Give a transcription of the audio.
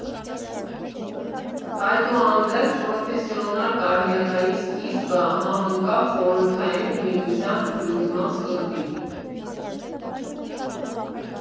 Այդուհանդերձ պրոֆեսիոնալ կարիերայիս սկիզբը համընկավ Խորհրդային Միության փլուզման սկզբին։